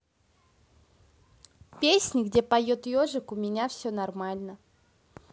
песни где поет ежик у меня все нормально